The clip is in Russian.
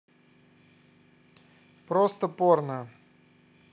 просто порно